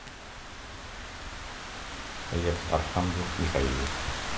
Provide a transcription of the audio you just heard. лепс архангел михаил